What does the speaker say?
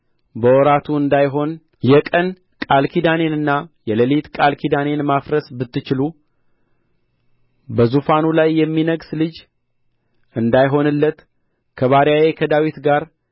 በወራቱ እንዳይሆን የቀን ቃል ኪዳኔንና የሌሊት ቃል ኪዳኔን ማፍረስ ብትችሉ በዙፋኑ ላይ የሚነግሥ ልጅ እንዳይሆንለት ከባሪዬ ከዳዊት ጋር